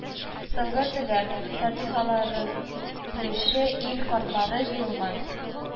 Соңгы теләк-фатихаларын бирүче ил картлары җыелган